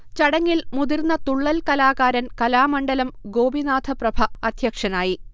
ചടങ്ങിൽ മുതിർന്ന തുള്ളൽ കലാകാരൻ കലാമണ്ഡലം ഗോപിനാഥപ്രഭ അധ്യക്ഷനായി